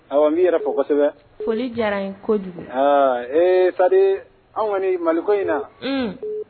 Ni yɛrɛ fɔ kosɛbɛ foli diyara in ko kojugu aa ee fa anw kɔni maliko in na